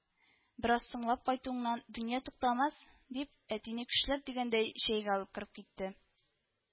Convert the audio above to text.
Бераз соңлап кайтуыңнан дөнья туктамас - дип, әтине көчләп дигәндәй чәйгә алып кереп китте